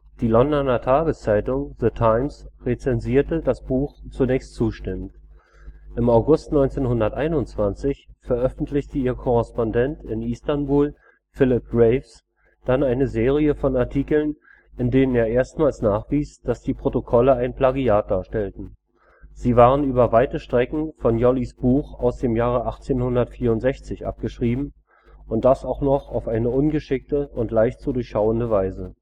Die Londoner Tageszeitung The Times rezensierte das Buch zunächst zustimmend. Im August 1921 veröffentlichte ihr Korrespondent in Istanbul Philip Graves dann eine Serie von Artikeln, in denen er erstmals nachwies, dass die Protokolle ein Plagiat darstellten: Sie waren über weite Strecken von Jolys Buch aus dem Jahre 1864 abgeschrieben, und das auch noch auf eine ungeschickte und leicht zu durchschauende Weise